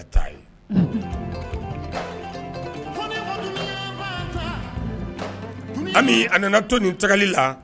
A nana to nin tagali la